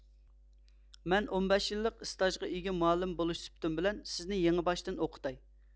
مەن ئون بەش يىللىق ئىستاژغا ئىگە مۇئەللىم بولۇش سۈپىتىم بىلەن سىزنى يېڭىۋاشتىن ئوقۇتاي